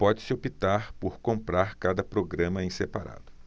pode-se optar por comprar cada programa em separado